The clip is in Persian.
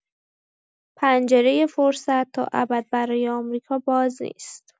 پنجره فرصت تا ابد برای آمریکا باز نیست.